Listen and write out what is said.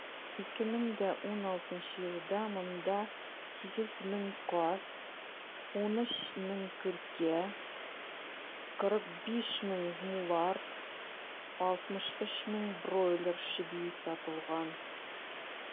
2016 елда монда 8 мең каз, 13 мең күркә, 45 мең мулард, 63 мең бройлер чебие сатылган.